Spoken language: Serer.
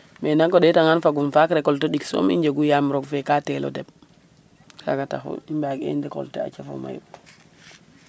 Mais nak o ɗeetangan fagum faak recolte ɗik soom i njegu yaam roog fe ka teel o ɗeɓ kaaga taxu i mbaag'ee ndekolte a caf a mayu .